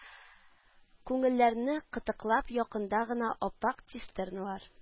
Күңелләрне кытыклап якында гына ап-ак цистерналар